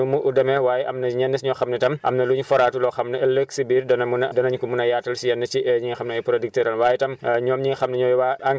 xam ngeen ne nawet bi am na nu mu demee waaye am na si ñenn si ñoo xam ne tam am na lu ñu foraatu loo xam ne ëllëg i biir dina mun a danañ ko mun a yaatal si yenn si ñi nga xam ne ay producteurs lañ